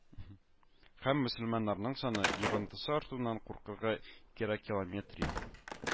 Һәм мөселманнарның саны, йогынтысы артуыннан куркырга кирәкилометри